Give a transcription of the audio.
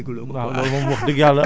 waa xam naa olof yooyu moom dégguloo ko